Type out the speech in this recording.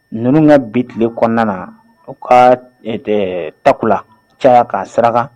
Ninnu ka bi tile kɔnɔna na u ka tago la caya ka saraka